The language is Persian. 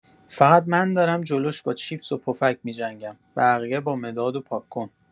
فقط من دارم جلوش با چیپس و پفک می‌جنگم، بقیه با مداد و پاکن!